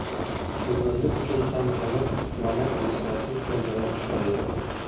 chuvrindi uchun ham hayot mamot masalasi ko'ndalang tushadi